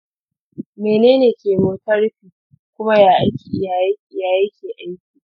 mene ne chemotherapy kuma ya yake aiki?